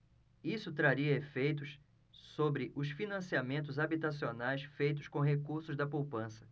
isso traria efeitos sobre os financiamentos habitacionais feitos com recursos da poupança